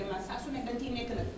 vraiment saa su ne dañu ciy nekk nag